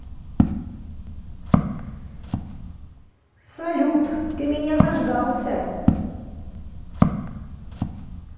салют ты меня заждался